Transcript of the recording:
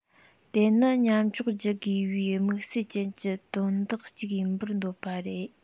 དེ ནི མཉམ འཇོག བགྱི དགོས པའི དམིགས བསལ ཅན གྱི དོན དག ཅིག ཡིན པར འདོད པ རེད